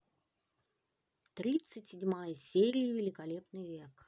тридцать седьмая серия великолепный век